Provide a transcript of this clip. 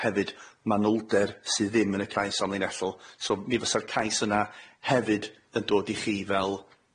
hefyd manylder sydd ddim yn y cais amlinellol so mi fysa'r cais yna hefyd yn dod i chi fel